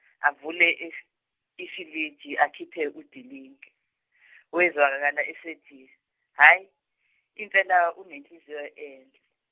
avule if- ifiliji akhiphe udilinki, wezwakala esethi hhayi impela unenhliziyo enhle.